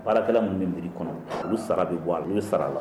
Baarakɛla minnu bɛ mairie kɔnɔ olu sara bɛ bɔ a la, o de sara la.